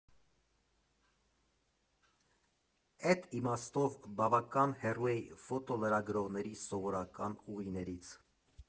Էդ իմաստով բավական հեռու էի ֆոտոլրագրողների սովորական ուղիներից։